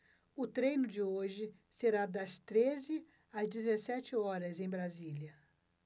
o treino de hoje será das treze às dezessete horas em brasília